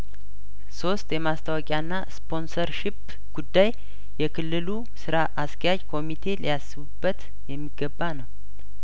ሶስት የማስታወቂያና ስፖንሰርሺፕ ጉዳይየክልሉ ስራ አስኪያጅ ኮሚቴ ሊያስ ብበት የሚገባ ነው